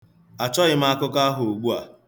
Achọghị m akụkọ ahụ ugbu a.